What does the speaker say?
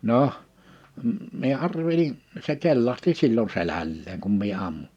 no minä arvelin se kellahti silloin selälleen kun minä ammuin